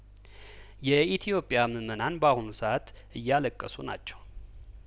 የኢትዮጵያ ምእመናን በአሁኑ ሰአት እያለቀሱ ናቸው